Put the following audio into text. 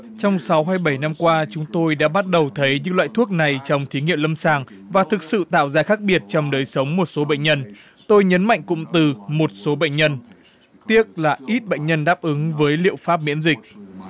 trong sáu hay bảy năm qua chúng tôi đã bắt đầu thấy những loại thuốc này trong thí nghiệm lâm sàng và thực sự tạo ra khác biệt trong đời sống một số bệnh nhân tôi nhấn mạnh cụm từ một số bệnh nhân tiếc là ít bệnh nhân đáp ứng với liệu pháp miễn dịch